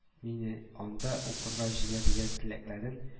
Мине анда укырга җибәрергә теләкләрен